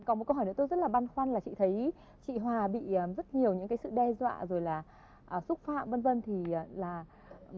còn câu hỏi nữa tôi rất là băn khoăn là chị thấy chị hòa bị rất nhiều những cái sự đe dọa rồi là xúc phạm vân vân thì là